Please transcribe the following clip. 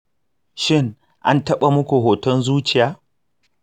shin an taɓa muku hoton zuciya?